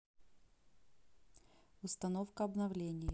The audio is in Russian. установка обновления